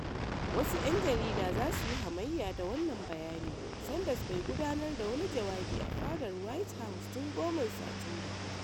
Wasu 'yan jarida za su yi hamayya da wannan bayani: Sanders bai gudanar da wani jawabi a Fadar White House tun 10 Satumba.